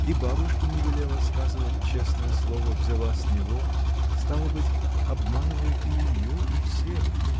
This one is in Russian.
И бабушке не велела сказывать, честное слово взяла с него — стало быть, обманывает и ее, и всех!